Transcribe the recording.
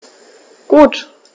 Gut.